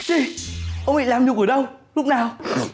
gì ông bị làm nhục ở đâu lúc nào